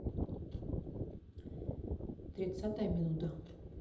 тридцатая минута